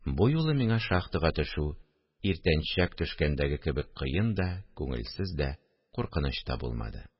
Бу юлы миңа шахтага төшү иртәнчәк төшкәндәге кебек кыен да, күңелсез дә, куркыныч та булмады